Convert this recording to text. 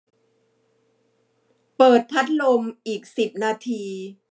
เปิดพัดลมอีกสิบนาที